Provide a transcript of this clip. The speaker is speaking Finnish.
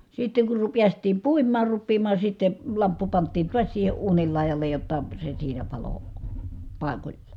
sitten kun - päästiin puimaan rupeamaan sitten lamppu pantiin taas siihen uunin laidalle jotta se siinä paloi paikoillaan